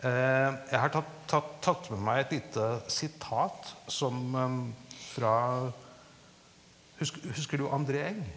jeg har tatt tatt tatt med meg et lite sitat som fra husker du André Engh?